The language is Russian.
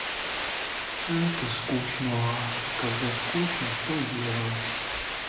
это скучноа когда скучно что делать